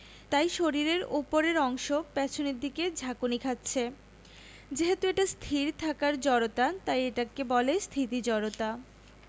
তাই শরীরের ওপরের অংশ পেছনের দিকে ঝাঁকুনি খাচ্ছে যেহেতু এটা স্থির থাকার জড়তা তাই এটাকে বলে স্থিতি জড়তা